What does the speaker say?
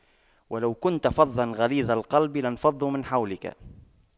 وَلَو كُنتَ فَظًّا غَلِيظَ القَلبِ لاَنفَضُّواْ مِن حَولِكَ